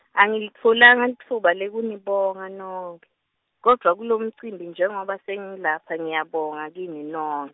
Angilitfolanga litfuba lekunibonga nonkhe, kodwva kulomcimbi njengoba sengilapha ngiyabonga kini non-.